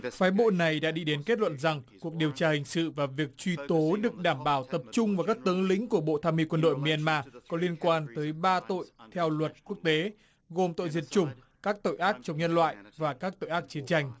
phái bộ này đã đi đến kết luận rằng cuộc điều tra hình sự và việc truy tố được đảm bảo tập trung vào các tướng lĩnh của bộ tham mưu quân đội mi an ma có liên quan tới ba tội theo luật quốc tế gồm tội diệt chủng các tội ác chống nhân loại và các tội ác chiến tranh